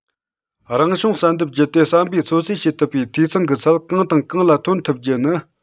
རང བྱུང བསལ འདེམས བརྒྱུད དེ བསམ པའི ཚོད རྩིས བྱེད ཐུབ པའི འཐུས ཚང གི ཚད གང དང གང ལ ཐོན ཐུབ རྒྱུ ནི